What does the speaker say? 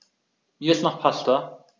Mir ist nach Pasta.